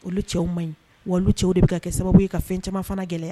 Olu cɛw man ɲi wa olu cɛw de bɛ kɛ sababu ye ka fɛn caman fana gɛlɛya.